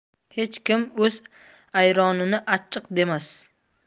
hech kim o'z ayronini achchiq demas